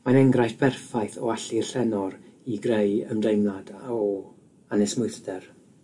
Mae'n enghraifft berffaith o allu'r llenor i greu ymdeimlad a o anesmwythder.